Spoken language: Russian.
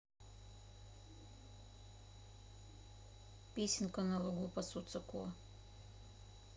песенка на лугу пасутся ко